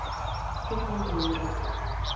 все деньги мира